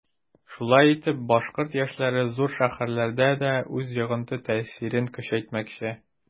Шулай итеп башкорт яшьләре зур шәһәрләрдә дә үз йогынты-тәэсирен көчәйтмәкче.